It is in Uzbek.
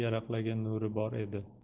yaraqlagan nuri bor edi